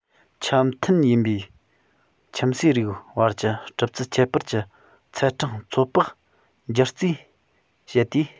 ཆ མཐུན ཡིན པའི ཁྱིམ གསོས རིགས བར གྱི གྲུབ ཚུལ ཁྱད པར གྱི ཚད གྲངས ཚོད དཔག བགྱི རྩིས བྱེད དུས